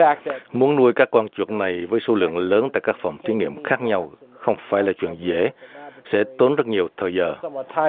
muốn nuôi các con chuột này với số lượng lớn tại các phòng thí nghiệm khác nhau không phải là chuyện dễ sẽ tốn rất nhiều thời giờ